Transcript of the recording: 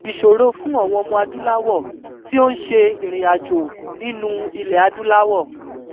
Ìṣòro: Fún àwọn Ọmọ-adúláwọ̀ tí ó ń ṣe ìrìnàjò nínúu Ilẹ̀-adúláwọ̀